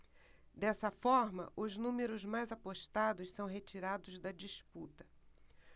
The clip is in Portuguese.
dessa forma os números mais apostados são retirados da disputa